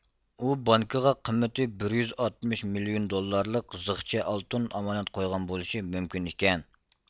ئۇ بانكىغا قىممىتى بىر يۈز ئاتمىش مىليون دوللارلىق زىخچە ئالتۇن ئامانەت قويغان بولۇشى مۇمكىن ئىكەن